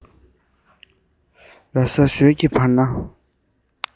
ར ས ཞོལ གྱི བར ན